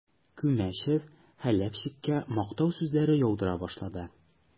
Күмәчев Хәләфчиккә мактау сүзләре яудыра башлады.